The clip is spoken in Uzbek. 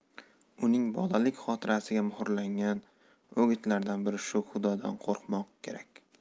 uning bolalik xotirasiga muhrlangan o'gitlardan biri shuki xudodan qo'rqmoq kerak